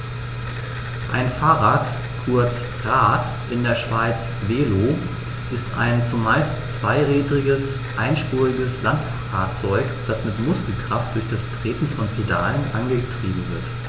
Ein Fahrrad, kurz Rad, in der Schweiz Velo, ist ein zumeist zweirädriges einspuriges Landfahrzeug, das mit Muskelkraft durch das Treten von Pedalen angetrieben wird.